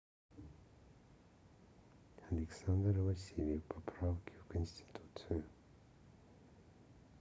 александр васильев поправки в конституцию